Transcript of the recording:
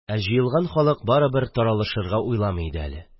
Ә җыелган халык барыбер таралышырга уйламый иде әле.